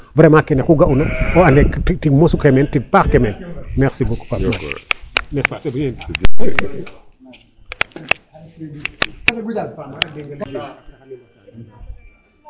Vraiment kene oxu ga'una o ande tig mosu xay meen tig paax axoy meen merci beaucoup Pape Made.